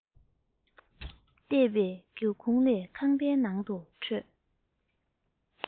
གཏད པའི སྒེའུ ཁུང ལས ཁང པའི ནང དུ འཕྲོས